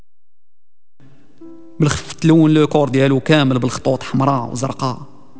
لولي كورديللو كامل بالخطوات حمراء وزرقاء